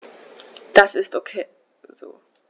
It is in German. Das ist ok so.